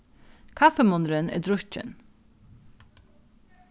kaffimunnurin er drukkin